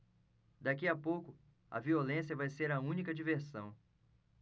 daqui a pouco a violência vai ser a única diversão